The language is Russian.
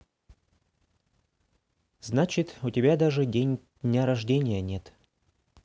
значит у тебя даже день дня рождения нет